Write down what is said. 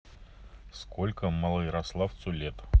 сколько малоярославцу лет